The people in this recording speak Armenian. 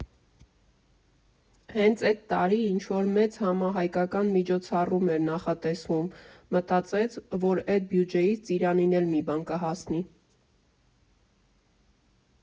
Հենց էդ տարի ինչ֊որ մեծ համահայկական միջոցառում էր նախատեսվում, մտածեց, որ էդ բյուջեից Ծիրանին էլ մի բան կհասնի։